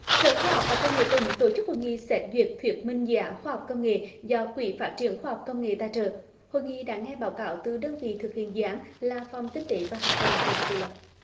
sở khoa học và công nghệ tỉnh tổ chức hội nghị xét duyệt thuyết minh dự án khoa học công nghệ do quỹ phát triển khoa học công nghệ tài trợ hội nghị đã nghe báo cáo từ đơn vị thực hiện dự án là phòng kinh tế và hạ tầng huyện phú lộc